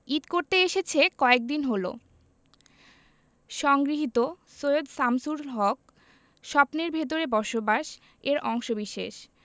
ঈদ করতে এসেছে কয়েকদিন হলো সংগৃহীত সৈয়দ শামসুল হক স্বপ্নের ভেতরে বসবাস এর অংশবিশেষ